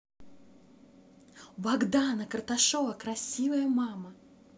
у богдана карташова красивая мама